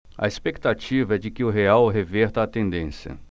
a expectativa é de que o real reverta a tendência